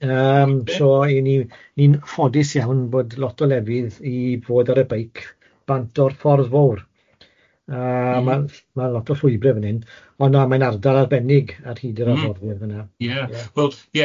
...ymm so y'n ni ni'n ffodus iawn bod lot o lefydd i fod ar y beic bant o'r ffordd mowr a ma' ma' lot o llwybyr fan hyn, ond na mae'n ardal arbennig ar hyd yr arfordir fan'na. Wel ie.